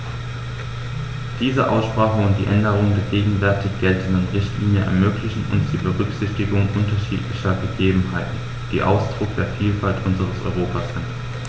Diese Aussprache und die Änderung der gegenwärtig geltenden Richtlinie ermöglichen uns die Berücksichtigung unterschiedlicher Gegebenheiten, die Ausdruck der Vielfalt unseres Europas sind.